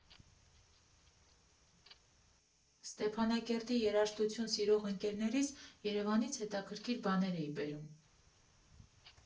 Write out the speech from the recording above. Ստեփանակերտի երաժշտություն սիրող ընկերներիս Երևանից հետաքրքիր բաներ էի բերում։